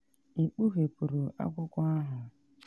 I kpughepuru akwụkwọ ahụ?